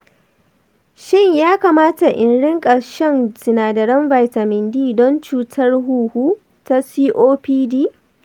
shin ya kamata in riƙa shan sinadarin vitamin d don cutar huhu ta copd?